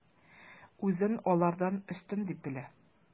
Үзен алардан өстен дип белә.